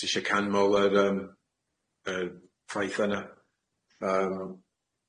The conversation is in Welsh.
Yy jyst isie canmol yr yym yy ffaith yna.